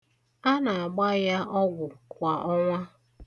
Ana-agba ya ọgwụ kwa ọnwa.